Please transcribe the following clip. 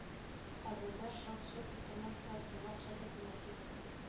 Әбүзәр шалт-шолт утырмаса сиңа акча тәтемәс иде